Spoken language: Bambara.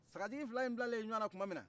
sagajigi fila yin bilalen ɲɔgɔna tumaminna